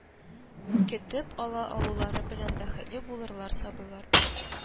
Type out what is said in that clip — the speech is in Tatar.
Көтеп ала алулары белән бәхетле булырлар, сабыйлар